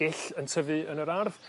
gyll yn tyfu yn yr ardd